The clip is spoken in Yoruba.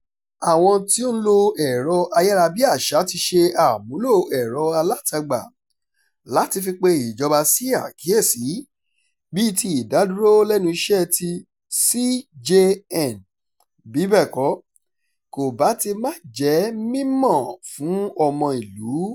Àwọn tí ó ń lo ẹ̀rọ-ayárabíaṣá ti ṣe àmúlò ẹ̀rọ-alátagbà láti fi pe ìjọba sí àkíyèsí, bíi ti ìdádúró-lẹ́nu-iṣẹ́ ti CJN, bí bẹ́ẹ̀ kọ́, kò bá ti máà jẹ́ mímọ̀ fún ọmọ ìlú.